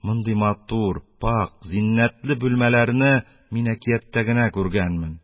Мондый матур пакь, зиннәтле бүлмәләрне мин әкияттә генә күргәнмен.